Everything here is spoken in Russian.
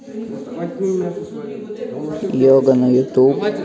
йога на ютуб